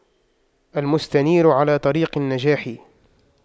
المستنير على طريق النجاح